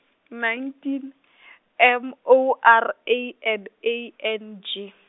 nineteen , M O R A N A N G.